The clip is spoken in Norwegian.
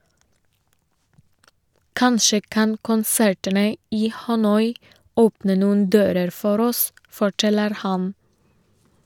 Kanskje kan konsertene i Hanoi åpne noen dører for oss, forteller han.